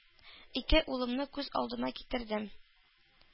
Ике улымны күз алдыма китердем,